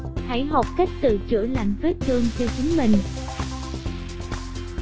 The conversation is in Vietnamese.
hãy học cách tự chữa lành vết thương cho chính mình